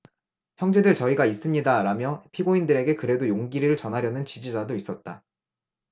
형제들 저희가 있습니다라며 피고인들에게 그래도 용기를 전하려는 지지자도 있었다